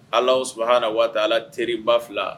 Ala sabaha waati ala teri ba fila